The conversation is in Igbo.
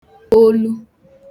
olu